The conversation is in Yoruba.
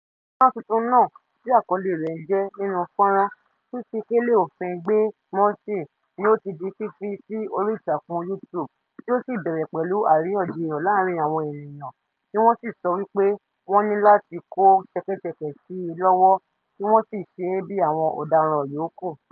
Fọ́nrán tuntun náà, tí àkọlé rẹ̀ ń jẹ́ "nínú fọ́nrán, fifi kélé òfin gbé Morsi", ni ó ti di fífi sí orí ìtàkùn YouTube tí ó sì bẹ̀rẹ̀ pẹ̀lú àríyànjiyàn láàárín àwọn ènìyàn [ar] tí wọ́n ń sọ wí pé wọ́n ní láti kó ṣẹ́kẹ́ṣẹkẹ̀ sí "i" lọ́wọ́ kí wọ́n sì "ṣeé bí àwọn ọ̀daràn yòókù".